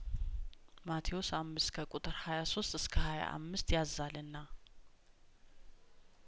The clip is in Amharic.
ማቴዎስ አምስት ከቁጥር ሀያ ሶስት እስከ ሀያአምስት ያዛልና